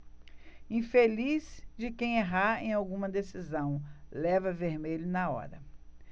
infeliz de quem errar em alguma decisão leva vermelho na hora